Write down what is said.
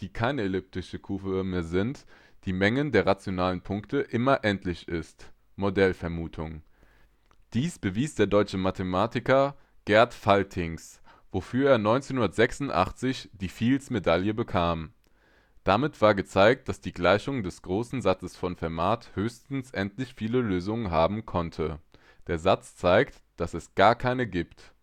keine elliptischen Kurven mehr sind) die Menge der rationalen Punkte immer endlich ist (Mordell-Vermutung). Dies bewies der deutsche Mathematiker Gerd Faltings, wofür er 1986 die Fields-Medaille bekam. Damit war gezeigt, dass die Gleichung des großen Satzes von Fermat höchstens endlich viele Lösungen haben konnte (der Satz sagt, dass es gar keine gibt